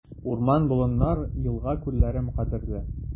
Урман-болыннар, елга-күлләрем кадерле.